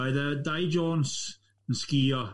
Oedd yy, Dye Jones yn sgïo.